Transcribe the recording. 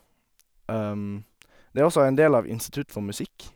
Det er også en del av Institutt for musikk.